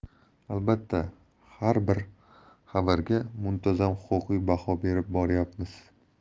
albatta har bir xabarga muntazam huquqiy baho berib boryapmiz